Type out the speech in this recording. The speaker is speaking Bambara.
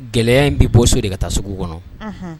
Gɛlɛya in bɛ bɔ so de ka taa sugu kɔnɔ